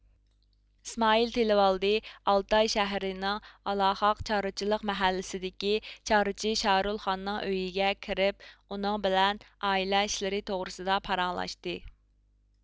ئىسمائىل تىلىۋالدى ئالتاي شەھىرىنىڭ ئالاخاق چارۋىچىلىق مەھەللىسىدىكى چارۋىچى شارۇلخاننىڭ ئۆيىگە كىرىپ ئۇنىڭ بىلەن ئائىلە ئىشلىرى توغرىسىدا پاراڭلاشتى